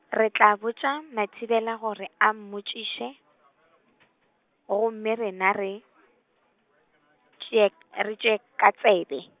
re tla botša Mathibela gore a mmotšiše, gomme rena re, tšee k-, re tšee ka tsebe.